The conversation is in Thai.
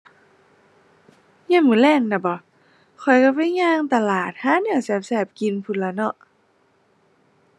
ยามมื้อแลงน่ะเบาะ ข้อยก็ไปย่างตลาดหาแนวแซ่บแซ่บกินพู้นละเนาะ